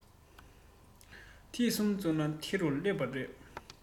དེ གསུམ འཛོམས ན དེ རུ སླེབས པ རེད